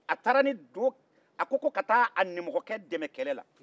a taara ni do a ko ko ka taa i nimɔgɔkɛ dɛmɛ kɛlɛla